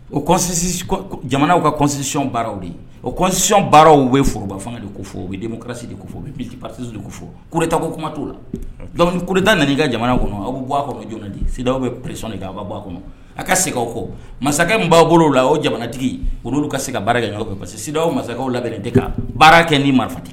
O jamanaw kasiyɔn baararaww de ye osiyɔn baararaww bɛ foroba fanga de ko fɔ u bɛ denmusi de ko fɔ u bɛ pasi fo kota ko kuma t' la koda nana' ka jamana kɔnɔ aw bɛ bɔ a kɔnɔ jɔn di siw bɛ peresini kan aw bɛ bɔ' a kɔnɔ a ka se aw kɔ masakɛ b'a bolo la o jamanatigi oluolu ka se ka baara kɛ ɲɔgɔn kɛ parce quedaw mansaw labɛn ka baara kɛ ni marifa tɛ